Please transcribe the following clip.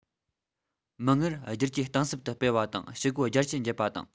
མིག སྔར སྒྱུར བཅོས གཏིང ཟབ ཏུ སྤེལ བ དང ཕྱི སྒོ རྒྱ ཆེར འབྱེད པ དང